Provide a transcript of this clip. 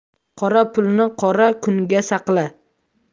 qora pulni qora kunga saqla